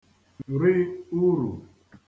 ri urù